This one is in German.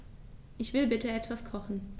Ich will bitte etwas kochen.